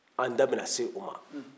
an da bɛna se o ma